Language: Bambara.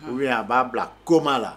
Oubien a b'a bila koma la